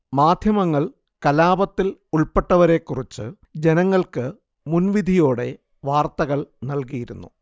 മാധ്യമങ്ങൾ കലാപത്തിൽ ഉൾപ്പെട്ടവരെക്കുറിച്ച് ജനങ്ങൾക്ക് മുൻവിധിയോടെ വാർത്തകൾ നൽകിയിരുന്നു